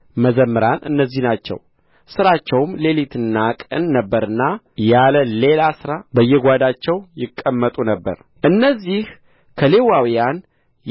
መዘምራን እነዚህ ናቸው ሥራቸውም ሌሊትና ቀን ነበረና ያለሌላ ሥራ በየጓዳቸው ይቀመጡ ነበር እነዚህ ከሌዋውያን